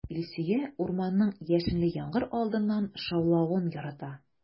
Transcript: Илсөя урманның яшенле яңгыр алдыннан шаулавын ярата.